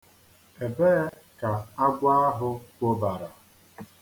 Ebee ka agwọ ahụ kwobara?